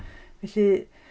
Felly...